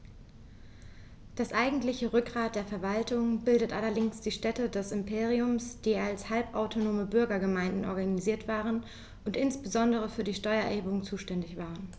Das eigentliche Rückgrat der Verwaltung bildeten allerdings die Städte des Imperiums, die als halbautonome Bürgergemeinden organisiert waren und insbesondere für die Steuererhebung zuständig waren.